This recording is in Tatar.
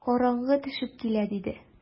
Караңгы төшеп килә, - диде.